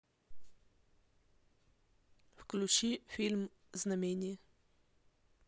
включи фильм знамение